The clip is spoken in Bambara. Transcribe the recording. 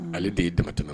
Ale de y'i dama tɛmɛ